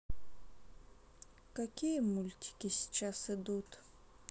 какие мультики сейчас идут